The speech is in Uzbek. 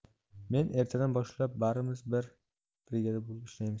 men ertadan boshlab barimiz bir brigada bo'lib ishlaymiz